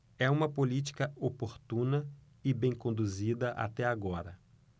é uma política oportuna e bem conduzida até agora